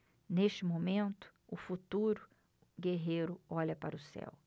neste momento o futuro guerreiro olha para o céu